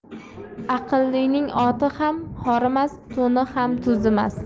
aqllining oti ham horimas to'ni ham to'zimas